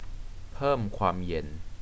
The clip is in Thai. เพิ่มความเย็น